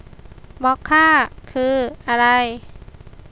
มอคค่าคืออะไร